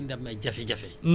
mais lu am solo